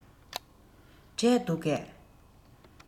འབྲས འདུག གས